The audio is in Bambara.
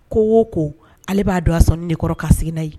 Ko ko ale b'a don a sɔn dekɔrɔ' seginnana yen